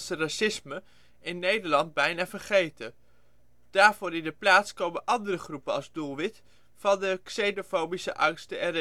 racisme in Nederland bijna vergeten. Daarvoor in de plaats komen andere groepen als doelwit van de xenofobische angsten en reacties